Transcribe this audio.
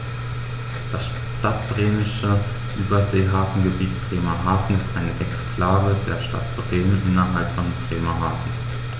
Das Stadtbremische Überseehafengebiet Bremerhaven ist eine Exklave der Stadt Bremen innerhalb von Bremerhaven.